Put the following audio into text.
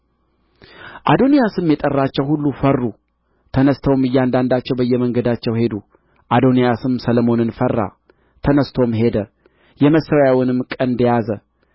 አዶንያስም የጠራቸው ሁሉ ፈሩ ተነሥተውም እያንዳንዳቸው በየመንገዳቸው ሄዱ አዶንያስም ሰሎሞንን ፈራ ተነሥቶም ሄደ የመሠዊያውንም ቀንድ ያዘ